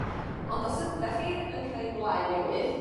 Ond os ydach chi yn creu gwlau newydd